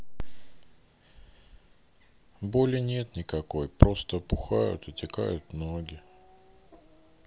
боли нет никакой просто опухают отекают ноги